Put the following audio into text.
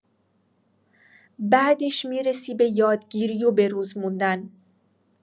بعدش می‌رسی به یادگیری و به‌روز موندن.